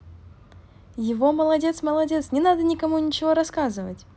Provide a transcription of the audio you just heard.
его молодец молодец не надо никому ничего рассказывать